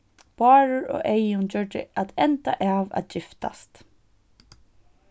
bárður og eyðun gjørdu at enda av at giftast